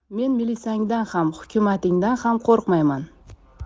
men milisangdan ham hukumatingdan ham qo'rqmayman